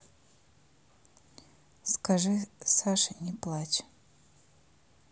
скажи саша не плачь